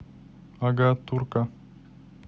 ага турка